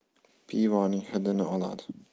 pivoning hidini oladi